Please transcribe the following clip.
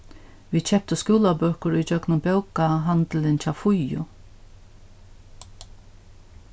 vit keyptu skúlabøkur ígjøgnum bókahandilin hjá fíu